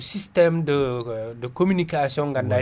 ko systéme de communiction mo ganduɗa henna